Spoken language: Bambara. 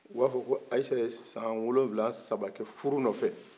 u b'a ko ayise ye san wolonwula saba kɛ furu nɔ fɛ